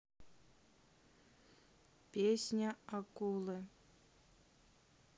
песня акулы